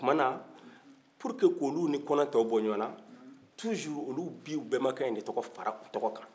o kumana pour que kow lu ni kɔnɛ tɔw bɔ ɲɔgɔnna toujours olu b'i u bɛma kɛyin de tɔgɔ fara u tɔgɔ kan